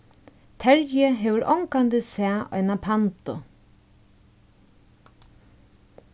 terji hevur ongantíð sæð eina pandu